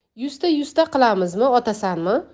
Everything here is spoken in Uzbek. yuzta yuzta qilamizmi otasanmi